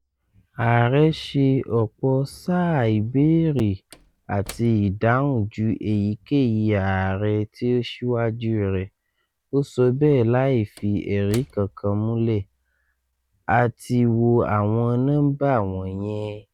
"Ààrẹ ṣe ọ̀pọ̀ sáà ìbéèrè àti ìdáhùn ju èyíkéyìí ààrẹ tí ó ṣiwájú rẹ̀,” ó sọ bẹ́ẹ̀ láìfi ẹ̀rí kankan múlẹ̀: “A ti wo àwọn nọ́ńbà wọ̀nyẹn."